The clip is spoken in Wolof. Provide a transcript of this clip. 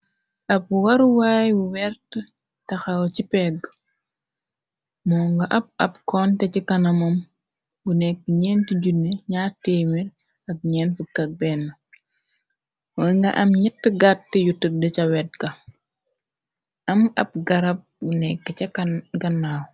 Ab waruwaay bu wert taxaw ci pegg moo nga ab ab konte ci kanamom bu nekk 4002041 way nga am ñett gàtt yu tëdd ca wet ga am ab garab bu nekk ca gannaaw.